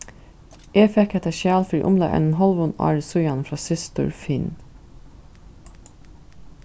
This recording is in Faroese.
eg fekk hetta skjal fyri umleið einum hálvum ári síðani frá systur finn